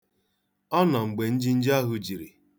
Ọ nọ mgbe njinji ahụ jiri.